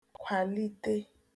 kwàlite